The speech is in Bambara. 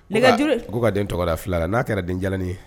Ko ka den tɔgɔda fila n'a kɛra den janin ye